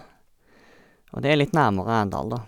Og det er litt nærmere Arendal, da.